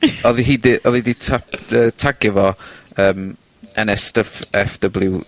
oddi hi 'di odd 'i 'di ta- yy tagio fo yym en ess stuff eff double ewe